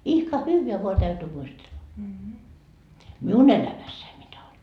ihka hyvää vain täytyy muistella minun elämässäni mitä oli